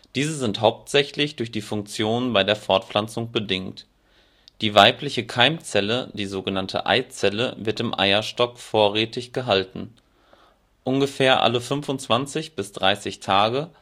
Diese sind hauptsächlich durch die Funktion bei der Fortpflanzung bedingt. Die weibliche Keimzelle, die sogenannte Eizelle, wird im Eierstock vorrätig gehalten. Ungefähr alle 25 bis 30 Tage